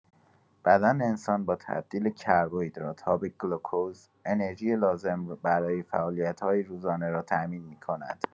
بدن انسان با تبدیل کربوهیدرات‌ها به گلوکز، انرژی لازم برای فعالیت‌های روزانه را تامین می‌کند.